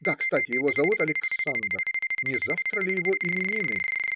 Да, кстати, его зовут Александр; не завтра ли его именины?